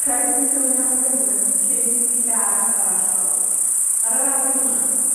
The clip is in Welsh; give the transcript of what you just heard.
Rhaid i mi ffilmio yn gyflym cyn i gar arall ddod. Ar yr arwydd yma